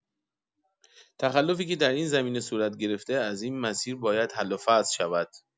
تخلفی که در این زمینه صورت گرفته از این مسیر باید حل و فصل شود.